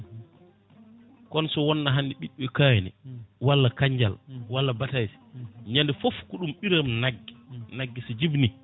kono so wonno ɓiɓɓe kaani walla kanjjal walla batayse ñande foof ko ɗum ɓiiram naggue naggue so jibini